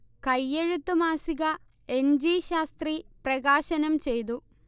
കൈയെഴുത്ത് മാസിക N. G. Shastri പ്രകാശനം ചെയ്തു